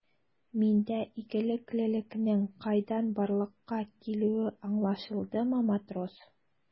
Миндә игелеклелекнең кайдан барлыкка килүе аңлашылдымы, матрос?